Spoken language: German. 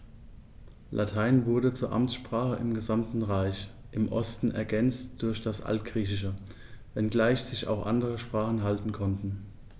Latein wurde zur Amtssprache im gesamten Reich (im Osten ergänzt durch das Altgriechische), wenngleich sich auch andere Sprachen halten konnten.